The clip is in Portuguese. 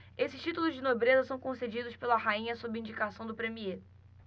esses títulos de nobreza são concedidos pela rainha sob indicação do premiê